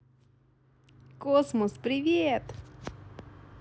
космос привет